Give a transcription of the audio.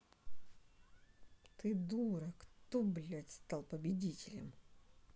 ты дура кто блядь стал победителем